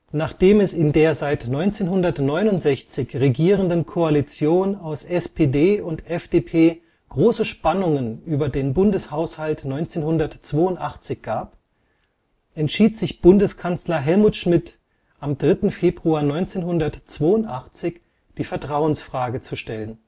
Nachdem es in der seit 1969 regierenden Koalition aus SPD und FDP große Spannungen über den Bundeshaushalt 1982 gab, entschied sich Bundeskanzler Helmut Schmidt am 3. Februar 1982, die Vertrauensfrage zu stellen